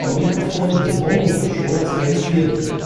Mikrofon des Bongo-Controllers registriert wird